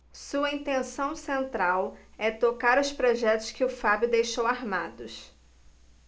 sua intenção central é tocar os projetos que o fábio deixou armados